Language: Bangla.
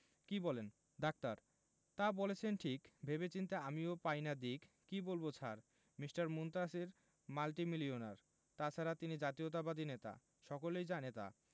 কি বলেন ডাক্তার তা বলেছেন ঠিক ভেবে চিন্তে আমিও পাই না দিক কি বলব স্যার মিঃ মুনতাসীর মাল্টিমিলিওনার তাছাড়া তিনি জাতীয়তাবাদী নেতা সকলেই জানে তা